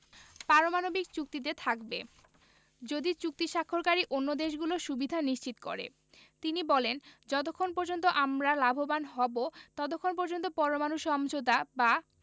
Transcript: পারমাণবিক চুক্তিতে থাকবে যদি চুক্তি স্বাক্ষরকারী অন্য দেশগুলো সুবিধা নিশ্চিত করে তিনি বলেন যতক্ষণ পর্যন্ত আমরা লাভবান হব ততক্ষণ পর্যন্ত পরমাণু সমঝোতা বা